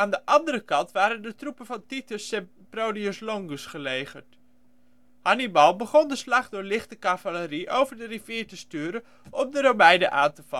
de andere kant waren de troepen van Titus Sempronius Longus gelegerd. Hannibal begon de slag door lichte cavalerie over de rivier te sturen om de Romeinen aan te vallen